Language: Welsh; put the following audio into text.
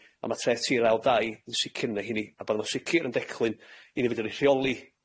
A ma' treth tir ar ail dai yn sicir yn un o 'heini, a bo' nw sicir yn declyn i ni fedru rheoli